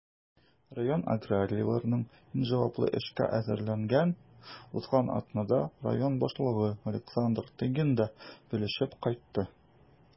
Район аграрийларының иң җаваплы эшкә әзерлеген узган атнада район башлыгы Александр Тыгин да белешеп кайтты.